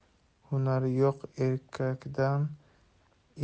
hunari yo'q erkakdan